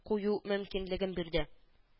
Кую мөмкинлеген бирде